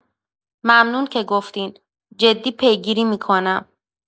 ممنون که گفتین، جدی پیگیری می‌کنم.